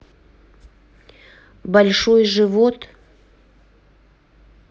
большой живот